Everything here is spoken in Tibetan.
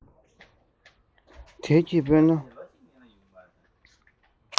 དལ གྱིས སྤོས ན